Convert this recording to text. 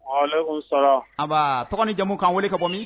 Waalekumsala anbaa tɔgɔ ni jamun k'an wele ka bɔ min